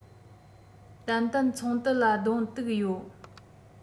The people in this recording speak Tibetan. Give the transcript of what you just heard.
ཏན ཏན ཚོང དུད ལ གདོང གཏུག ཡོད